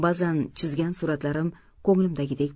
ba'zan chizgan suratlarim ko'nglimdagidek